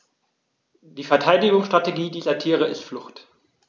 Die Verteidigungsstrategie dieser Tiere ist Flucht.